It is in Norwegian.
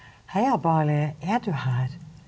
hei Barley er du her?